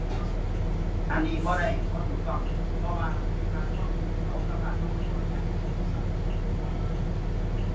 อันนี้บ่ได้ บ่ถูกต้อง เพราะว่าค่าครองชีพเขากับบ้านเรามันคนละอย่างกัน